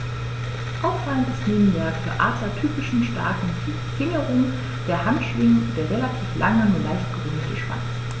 Auffallend ist neben der für Adler typischen starken Fingerung der Handschwingen der relativ lange, nur leicht gerundete Schwanz.